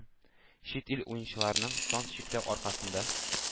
Чит ил уенчыларының санн чикләү аркасында,